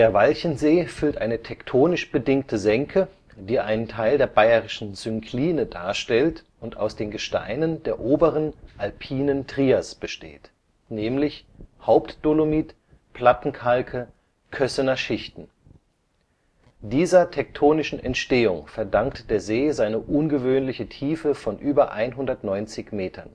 Walchensee füllt eine tektonisch bedingte Senke, die einen Teil der Bayerischen Synkline darstellt und aus den Gesteinen der oberen, alpinen Trias besteht (Hauptdolomit, Plattenkalke, Kössener Schichten). Dieser tektonischen Entstehung verdankt der See seine ungewöhnliche Tiefe von über 190 m